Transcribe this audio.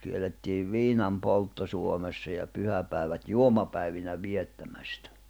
kiellettiin viinanpoltto Suomessa ja pyhäpäivät juomapäivinä viettämästä